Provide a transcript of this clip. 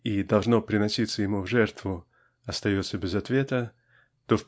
и должно приноситься ему в жертву?" остается без ответа то